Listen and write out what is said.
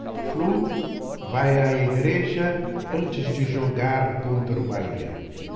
flu vai à igreja antes de jogar contra o bahia